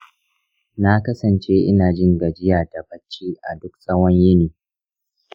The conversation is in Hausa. na kasance ina jin gajiya da bacci a duk tsawon yini.